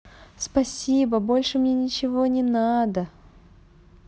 спасибо больше мне ничего не надо